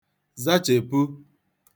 zachèpu